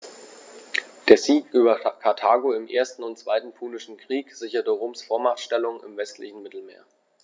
Der Sieg über Karthago im 1. und 2. Punischen Krieg sicherte Roms Vormachtstellung im westlichen Mittelmeer.